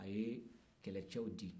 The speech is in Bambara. a ye kɛlɛcɛw di